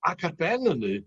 Ac ar ben ynny